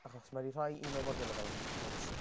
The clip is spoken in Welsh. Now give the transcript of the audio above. Achos mae 'di rhoi un o'r modiwlau fel compulsory.